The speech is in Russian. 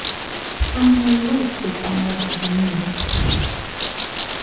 самый лучший помет в мире